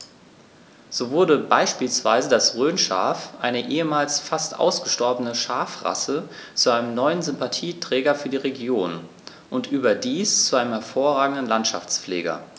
So wurde beispielsweise das Rhönschaf, eine ehemals fast ausgestorbene Schafrasse, zu einem neuen Sympathieträger für die Region – und überdies zu einem hervorragenden Landschaftspfleger.